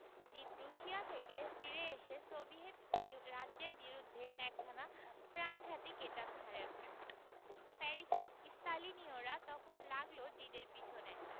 জিদ Russia থেকে ফিরে এসে সোভিয়েট রাজ্যের বিরুদ্ধে একখানা প্রাণঘাতী কেতাব ছাড়েন প্যারিসের স্তালিনীয়রা তখন লাগল জিদের পেছনে